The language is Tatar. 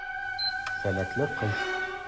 Сәләтле кыз.